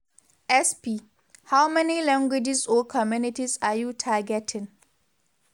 SP: How many languages or communities are you targeting?